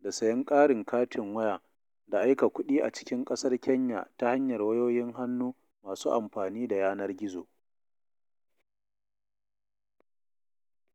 da sayen ƙarin katin waya, da aika kuɗi a cikin ƙasar Kenya ta hanyar wayoyin hannu masu amfani da yanar gizo